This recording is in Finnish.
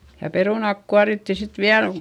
ja perunat kuorittiin sitten vielä kun